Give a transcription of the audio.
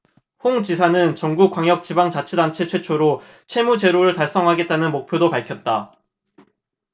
홍 지사는 전국 광역지방자치단체 최초로 채무 제로를 달성하겠다는 목표도 밝혔다